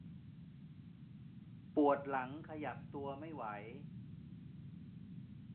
ปวดหลังขยับตัวไม่ไหว